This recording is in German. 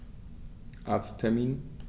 Arzttermin